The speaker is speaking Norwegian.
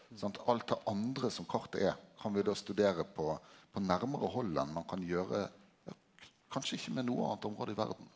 sant alt det andre som kartet er kan vi då studere på på nærmare hald enn ein kan gjere ja kanskje ikkje med noko anna område i verda.